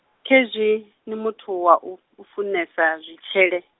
khezwi, ni muthu wau, u funesa, zwi tshele?